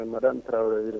Ɛl madann tarawere